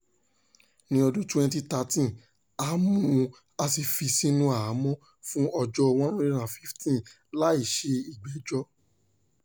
Ní ọdún 2013, a mú u a sì fi sínú àhámọ́ fún ọjọ́ 115 láì ṣe ìgbẹ́jọ́.